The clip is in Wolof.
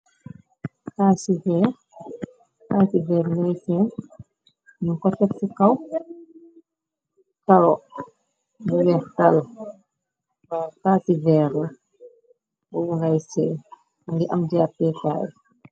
Cassi veer , cassi veer ñu ko def ci kaw karo bu weextal , cassi veer bu ngay seen ngi am jappekaayi.